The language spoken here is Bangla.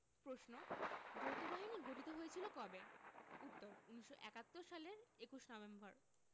প্রশ্ন যৌথবাহিনী গঠিত হয়েছিল কবে উত্তর ১৯৭১ সালের ২১ নভেম্বর